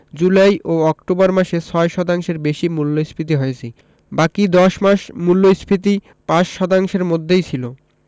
জুলাই ও অক্টোবর মাসে ৬ শতাংশের বেশি মূল্যস্ফীতি হয়েছে বাকি ১০ মাস মূল্যস্ফীতি ৫ শতাংশের মধ্যেই ছিল